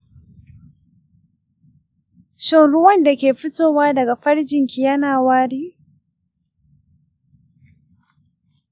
shin ruwan da ke fitowa daga farjinki yana wari?